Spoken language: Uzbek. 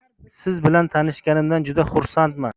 siz bilan tanishganimdan juda xursandman